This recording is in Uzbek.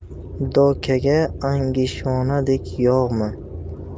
dokaga angishvonadek yog'mi